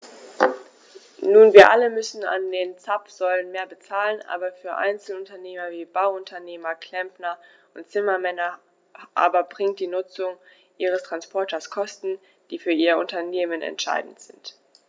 Nun wir alle müssen an den Zapfsäulen mehr bezahlen, aber für Einzelunternehmer wie Bauunternehmer, Klempner und Zimmermänner aber birgt die Nutzung ihres Transporters Kosten, die für ihr Unternehmen entscheidend sind.